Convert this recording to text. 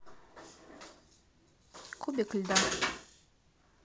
кубик льда